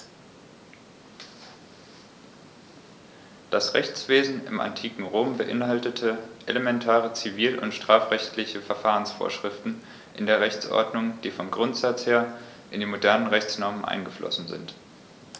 Das Rechtswesen im antiken Rom beinhaltete elementare zivil- und strafrechtliche Verfahrensvorschriften in der Rechtsordnung, die vom Grundsatz her in die modernen Rechtsnormen eingeflossen sind.